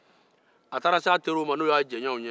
a taara se a teriw ma